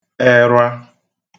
ẹrwa